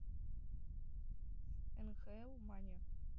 нхл мани